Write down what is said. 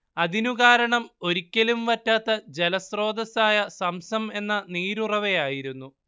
അതിനു കാരണം ഒരിക്കലും വറ്റാത്ത ജലസ്രോതസ്സായ സംസം എന്ന നീരുറവയായിരുന്നു